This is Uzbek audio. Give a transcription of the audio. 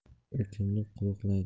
u kimni qo'riqlaydi